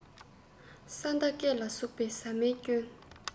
ས མདའ སྐེ ལ ཟུག པ ཟ མའི སྐྱོན